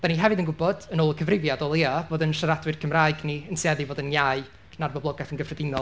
Dan ni hefyd yn gwybod, yn ôl y cyfrifiad o leiaf, fod yn siaradwyr Cymraeg ni yn tueddu i fod yn iau na'r boblogaeth yn gyffredinol.